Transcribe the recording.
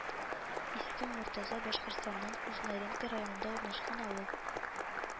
Иске Мортаза Башкортстанның Кушнаренко районында урнашкан авыл